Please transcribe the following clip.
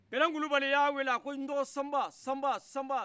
bɛlan kulubali y' a wele a ko ndɔgɔ sanba sanba sanba